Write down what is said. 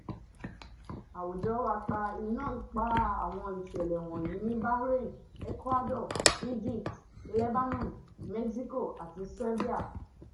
Àwùjọ wa pa iná ipa àwọn ìṣẹ̀lẹ̀ wọ̀nyìí ní Bahrain, Ecuador, Egypt, Lebanon, Mexico àti Serbia.